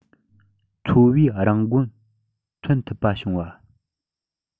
འཚོ བའི རང མགོ ཐོན ཐུབ པ བྱུང བ